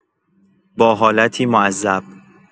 با حالتی معذب